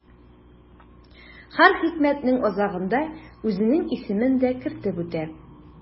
Һәр хикмәтнең азагында үзенең исемен дә кертеп үтә.